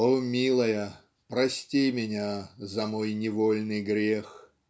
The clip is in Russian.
О милая, прости меня за мой невольный грех.